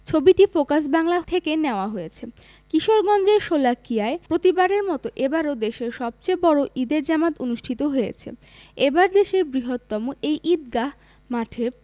ছবিটি ফোকাস বাংলা থেকে নেয়া হয়েছে কিশোরগঞ্জের শোলাকিয়ায় প্রতিবারের মতো এবারও দেশের সবচেয়ে বড় ঈদের জামাত অনুষ্ঠিত হয়েছে এবার দেশের বৃহত্তম এই ঈদগাহ মাঠে